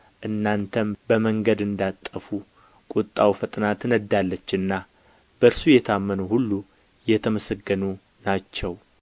እናንተም በመንገድ እንዳትጠፉ ቍጣው ፈጥና ትነድዳለችና በእርሱ የታመኑ ሁሉ የተመሰገኑ ናቸው